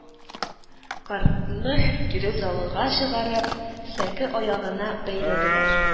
Картны кире залга чыгарып сәке аягына бәйләделәр